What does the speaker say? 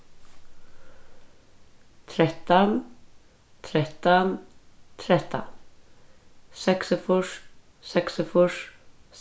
trettan trettan trettan seksogfýrs seksogfýrs